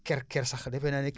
ker ker sax defe naa ne